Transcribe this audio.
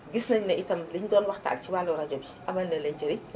gis nañu itam li ñu doon waxtaan si wàllum rajo bi amalnaleen njariñ